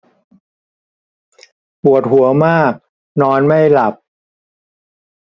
ปวดหัวมากนอนไม่หลับ